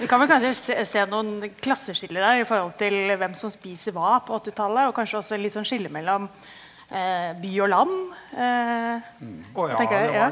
vi kan vel kanskje se se noen klasseskiller der i forhold til hvem som spiser hva på åttitallet, og kanskje også litt sånn skille mellom by og land hva tenker dere ja?